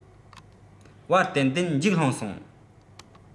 བར ཏན ཏན འཇིགས སློང སོང